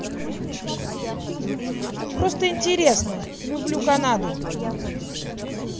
просто интересно люблю канаду